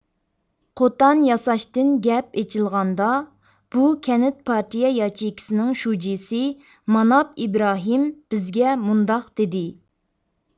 قوتان ياساشتىن گەپ ئېچىلغاندا بۇ كەنت پارتىيە ياچېيكىسىنىڭ شۇجىسى ماناپ ئىبراھىم بىزگە مۇنداق دېدى